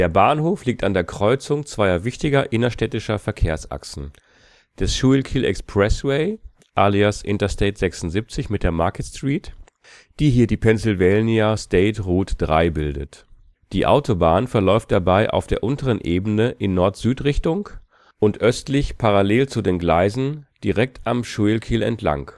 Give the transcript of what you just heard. Bahnhof liegt an der Kreuzung zweier wichtiger innerstädtischer Verkehrsachsen, des Schuylkill Expressway alias Interstate 76 mit der Market Street, die hier die Pennsylvania State Route 3 bildet. Die Autobahn verläuft dabei auf der unteren Ebene in Nord-Süd-Richtung und östlich parallel zu den Gleisen direkt am Schuylkill entlang